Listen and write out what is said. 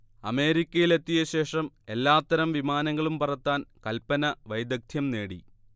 അമേരിക്കയിലെത്തിയ ശേഷം എല്ലാത്തരം വിമാനങ്ങളും പറത്താൻ കൽപന വൈദഗ്ധ്യം നേടി